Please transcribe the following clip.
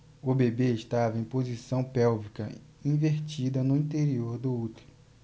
o bebê estava em posição pélvica invertida no interior do útero